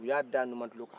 u y'a da numatulo kan